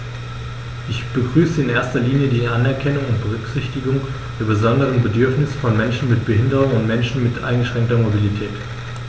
Ich begrüße in erster Linie die Anerkennung und Berücksichtigung der besonderen Bedürfnisse von Menschen mit Behinderung und Menschen mit eingeschränkter Mobilität.